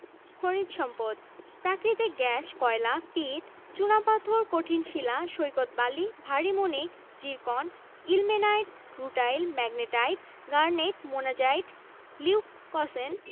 ৫৫৬টি money changer ২টি stock exchange Dhaka stock exchange ও চট্টগ্রাম স্টক এক্সচেঞ্জ ২টি সরকারি ও ৩৯টি বেসরকারি বীমা কোম্পানি